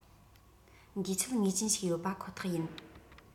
འདུས ཚད ངེས ཅན ཞིག ཡོད པ ཁོ ཐག ཡིན